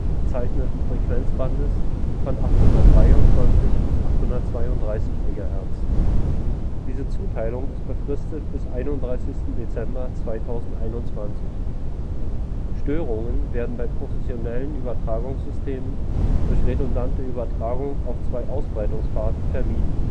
bezeichneten Frequenzbereiches von 823 bis 832 MHz. Diese Zuteilung ist befristet bis 31. Dezember 2021. Störungen werden bei professionellen Übertragungssystemen durch redundante Übertragung auf zwei Ausbreitungspfaden vermieden